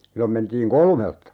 silloin mentiin kolmelta